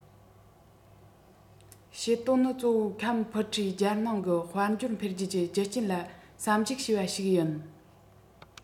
བྱེད དོན ནི གཙོ བོ ཁམ ཕུ ཁྲེའི རྒྱལ ནང གི དཔལ འབྱོར འཕེལ རྒྱས ཀྱི རྒྱུ རྐྱེན ལ བསམ གཞིགས བྱས པ ཞིག ཡིན